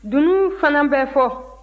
dunun fana bɛ fɔ